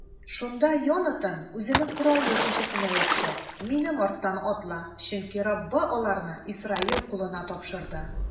Шунда Йонатан үзенең корал йөртүчесенә әйтте: минем арттан атла, чөнки Раббы аларны Исраил кулына тапшырды.